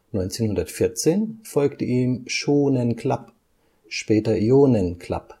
1914 folgte ihm Shōnen Club, später Yōnen Club